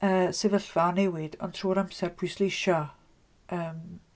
Yy sefyllfa o newid ond trwy'r amser pwysleisio yym...